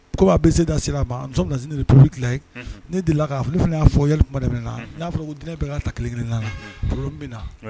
Ko a bɛ sela a ma nous sommes dans une république laïque unhun, ne fana y'a fɔ, ne delila k'a fɔ yanni kuma daminɛ na, n'a fɔra ko diinɛ bɛ k'a ta kelenkelenna la, problème bɛ na